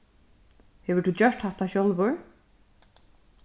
hevur tú gjørt hatta sjálvur